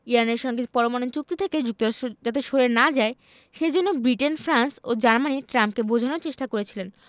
ইরানের সঙ্গে পরমাণু চুক্তি থেকে যুক্তরাষ্ট্র যাতে সরে না যায় সে জন্য ব্রিটেন ফ্রান্স ও জার্মানি ট্রাম্পকে বোঝানোর চেষ্টা করছিলেন